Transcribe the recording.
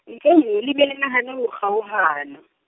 nnqe nngwe le be le nahane ho kgaohana.